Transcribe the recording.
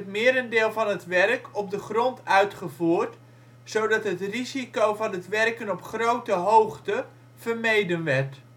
merendeel van het werk op de grond uitgevoerd, zodat het risico van het werken op grote hoogte vermeden werd